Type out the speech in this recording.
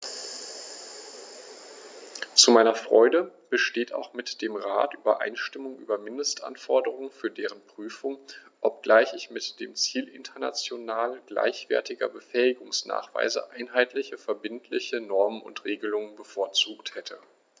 Zu meiner Freude besteht auch mit dem Rat Übereinstimmung über Mindestanforderungen für deren Prüfung, obgleich ich mit dem Ziel international gleichwertiger Befähigungsnachweise einheitliche verbindliche Normen und Regelungen bevorzugt hätte.